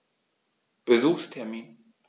Besuchstermin